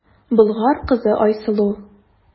Болгар кызы Айсылу.